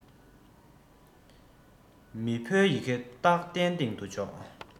མི ཕོའི ཡི གེ སྟག གདན སྟེང དུ འཇོག